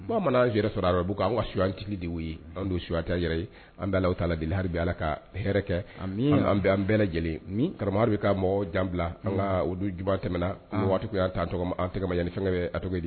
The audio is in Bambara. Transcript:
Bamanan yɛrɛ sɔrɔ'' wa su an ki de ye don suwa yɛrɛ an bɛ taa la deli ha bɛ ala ka kɛ bɛ an bɛɛ lajɛlen kara bɛ ka mɔgɔ jan bila an kadujuba tɛmɛna waati y' anma yanani fɛnkɛ tɔgɔ di